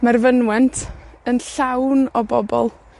mae'r fynwent yn llawn o bobol,